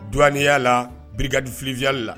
Du yala la bidifibiyali la